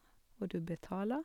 Og du betaler.